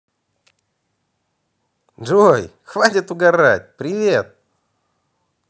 джой хватит угорать привет